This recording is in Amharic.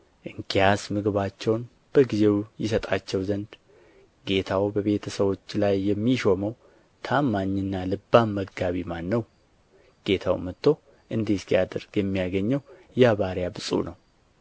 እንኪያስ ምግባቸውን በጊዜው ይሰጣቸው ዘንድ ጌታው በቤተ ሰዎቹ ላይ የሚሾመው ታማኝና ልባም መጋቢ ማን ነው ጌታው መጥቶ እንዲህ ሲያደርግ የሚያገኘው ያ ባሪያ ብፁዕ ነው